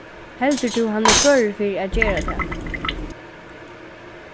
heldur tú hann er førur fyri at gera tað